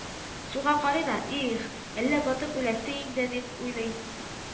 Суга карый да, их, әллә батып үләсе инде, дип уйлый